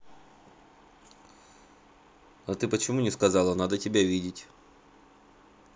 а ты почему не сказала надо тебя видеть